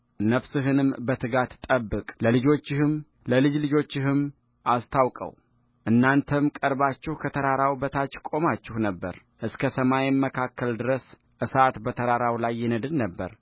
ነፍስህንም በትጋት ጠብቅ ለልጆችህም ለልጅ ልጆችህም አስታውቀውእናንተም ቀርባችሁ ከተራራው በታች ቆማችሁ ነበር እስከ ሰማይም መካከል ድረስ አሳት በተራራው ላይ ይነድድ ነበር